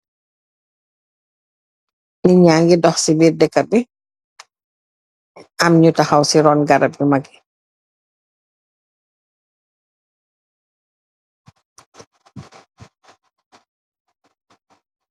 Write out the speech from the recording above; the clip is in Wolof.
Nit ña ngi dox ci birr dekka bi, am ñu taxaw ci ron garap yu mak yi.